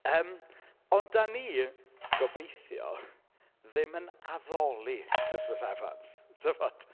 Yym, ond, dan ni, gobeithio, ddim yn addoli Christmas Evans, tibod?